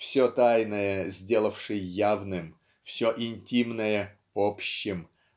все тайное сделавший явным все интимное -- общим